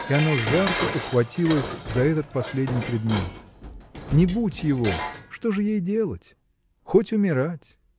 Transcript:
и оно жарко ухватилось за этот последний предмет. Не будь его, что же ей делать? Хоть умирать.